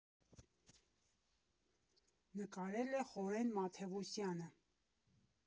Նկարել է Խորեն Մաթևոսյանը։